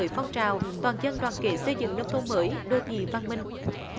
với phong trào toàn dân đoàn kết xây dựng nông thôn mới đô thị văn minh